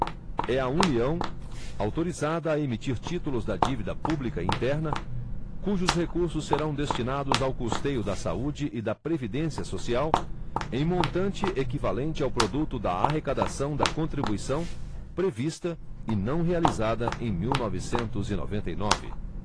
é a união autorizada a emitir títulos da dívida pública interna cujos recursos serão destinados ao custeio da saúde e da previdência social em montante equivalente ao produto da arrecadação da contribuição prevista e não realizada em mil novecentos e noventa e nove